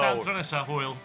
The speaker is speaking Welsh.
Tan tro nesa hwyl